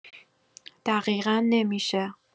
دقیقا نمی‌شه